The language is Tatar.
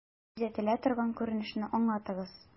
Күзәтелә торган күренешне аңлатыгыз.